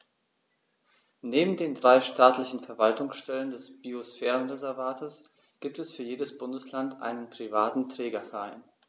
Neben den drei staatlichen Verwaltungsstellen des Biosphärenreservates gibt es für jedes Bundesland einen privaten Trägerverein.